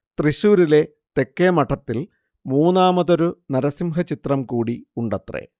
തൃശ്ശൂരിലെ തെക്കേ മഠത്തിൽ മൂന്നാമതൊരു നരസിംഹ ചിത്രം കൂടി ഉണ്ടത്രേ